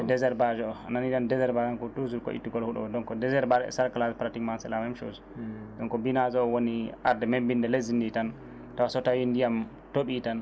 désherbage o a nani tan désherbage toujours ko ittu gol huuɗo donc désherbage e cerclage pratiquement c' la même chose donc binage o woni arde mebbinde leydi ndi tan taw so tawi ndiyam tooɓi tan